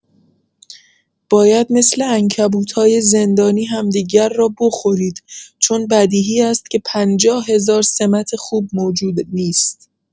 باید مثل عنکبوت‌های زندانی همدیگر را بخورید چون بدیهی است که پنجاه هزار سمت خوب موجود نیست.